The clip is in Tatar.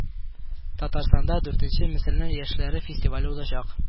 Татарстанда дүртенче мөселман яшьләре фестивале узачак